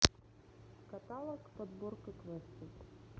каталог подборка квесты